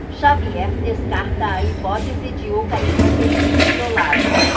xavier descarta a hipótese de o caixão ter sido violado